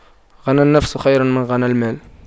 غنى النفس خير من غنى المال